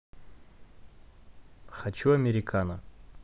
хочу американо